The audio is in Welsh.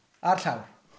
Ar llawr.